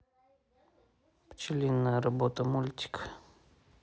пчелиная работа мультик